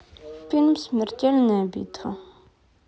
фильм смертельная битва